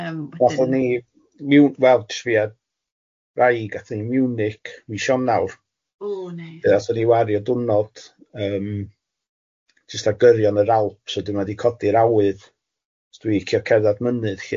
...yym wedyn... Wnaethon ni Miwn- wel jyst fi a wraig athon ni i Miwnic mis Ionawr... Oh neis. ...wnathon ni wario diwrnod yym jyst ar gyrraedd yn yr Alp so wedyn ma' wedi codi'r awydd os dwi licio cerddad mynydd lly.